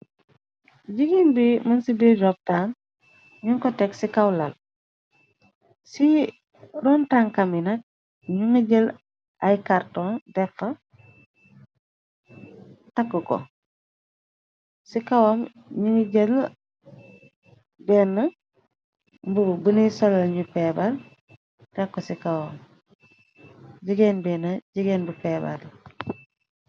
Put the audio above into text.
Jigéen bi mën ci di roptam, ñuñ ko teg ci kawlal, ci rontankamina, ñu ngi jël ay karton dexa takk ko, ci kawam ñu ngi jël denn mbu bëniy solol ñu feebar, tekku ci kawam, jigéen bi na jigéen bu feebar.